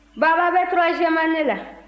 baba bɛ 3 annee la